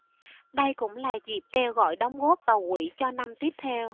đây cũng là dịp kêu gọi đóng góp vào quỹ cho năm tiếp theo